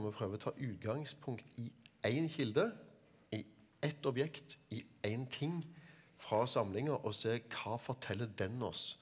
vi prøver å ta utgangspunkt i én kilde, i ett objekt, i én ting fra samlinga og se hva forteller den oss?